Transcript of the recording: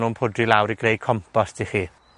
nw'n pwdri lawr i greu compost i chi.